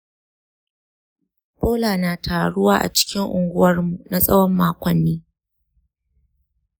bola yana taruwa a cikin unguwarmu na tsawon makonni.